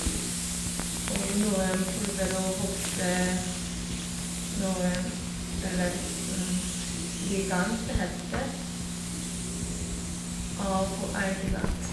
Og noen prøver å vokse noen eller sånn ligant, det heter, på alginat.